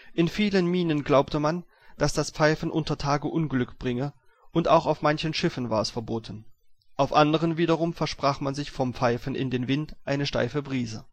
In vielen Minen glaubte man, dass das Pfeifen unter Tage Unglück bringe, und auch auf manchen Schiffen war es verboten – auf anderen wiederum versprach man sich vom Pfeifen in den Wind eine steife Brise